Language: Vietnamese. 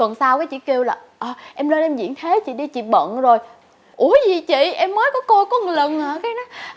tuần sau á chị kêu là ờ em lên em diễn thế chị đi chị bận rồi ủa gì chị em mới có coi có lần à thế